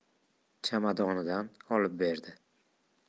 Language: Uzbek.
chamadonidan olib berdi